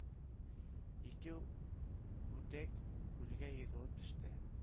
Ике үрдәк күлгә егылып төште